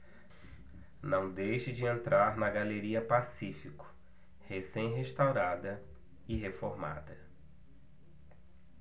não deixe de entrar na galeria pacífico recém restaurada e reformada